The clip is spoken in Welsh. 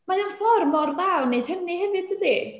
Mae o'n ffordd mor dda o wneud hynny hefyd, dydi?